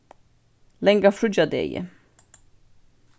langa fríggjadegi